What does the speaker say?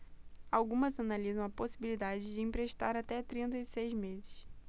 algumas analisam a possibilidade de emprestar até trinta e seis meses